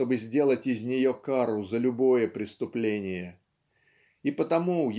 чтобы сделать из нее кару за любое преступление. И потому